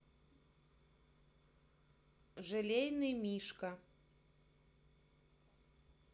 желейный мишка